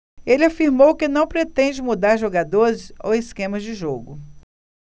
ele afirmou que não pretende mudar jogadores ou esquema de jogo